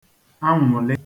anwụ̀lị